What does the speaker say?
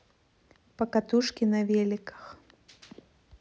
покатушки на великах